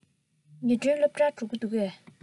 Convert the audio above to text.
ཉི སྒྲོན སློབ གྲྭར འགྲོ གི འདུག གས